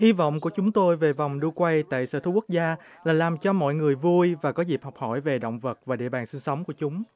hy vọng của chúng tôi về vòng đu quay tại sở thú quốc gia là làm cho mọi người vui và có dịp học hỏi về động vật và địa bàn sinh sống của chúng